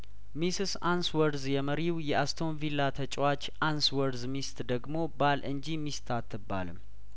ሚስስ አንስወርዝ የመሪው የአስቶንቪላ ተጫዋች አንስወርዝ ሚስት ደግሞ ባል እንጂ ሚስት አትባልም